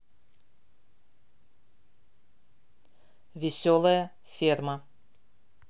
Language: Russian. веселая ферма